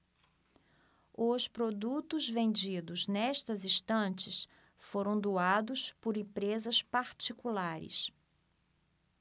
os produtos vendidos nestas estantes foram doados por empresas particulares